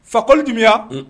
Fakɔli Dunbuya. Un.